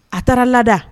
A taara lada.